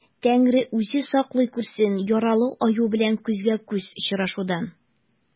Тәңре үзе саклый күрсен яралы аю белән күзгә-күз очрашудан.